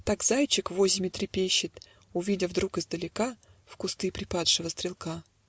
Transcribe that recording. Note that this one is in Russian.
Так зайчик в озими трепещет, Увидя вдруг издалека В кусты припадшего стрелка.